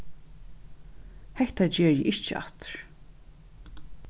hetta geri eg ikki aftur